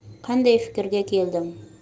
qanday fikrga keldim